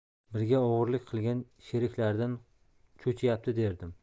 birga o'g'irlik qilgan sheriklaridan cho'chiyapti derdim